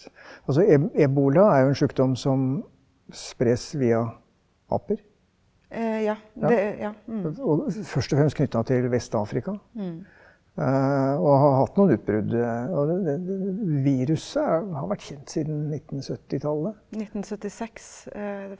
altså ebola er jo en sjukdom som spres via aper ja og først og fremst knytta til Vest-Afrika og har hatt noen utbrudd, og det det viruset har vært kjent siden nittensyttitallet.